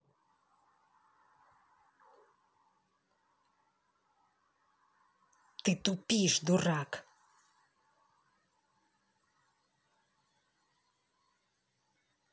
ты тупишь дурак